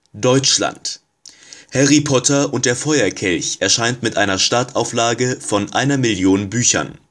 Deutschland: „ Harry Potter und der Feuerkelch “erscheint mit einer Startauflage von einer Million Büchern